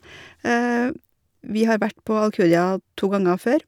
Vi har vært på Alcudia to ganger før.